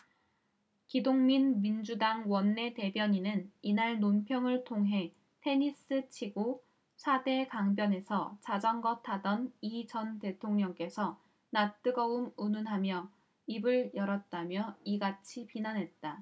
기동민 민주당 원내대변인은 이날 논평을 통해 테니스 치고 사 대 강변에서 자전거 타던 이 전 대통령께서 낯 뜨거움 운운하며 입을 열었다며 이같이 비난했다